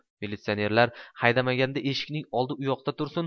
militsionerlar haydamaganda eshikning oldi uyoqda tursin